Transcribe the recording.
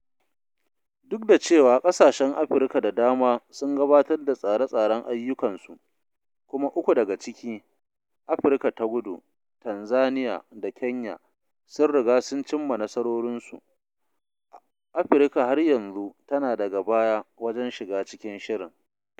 Duk da cewa ƙasashen Afrika da dama sun gabatar da tsare-tsaren ayyukansu, kuma uku daga ciki, Afrika ta Kudu, Tanzania, da Kenya sun riga sun cimma nasarorin su, Afrika har yanzu tana daga baya wajen shiga cikin shirin.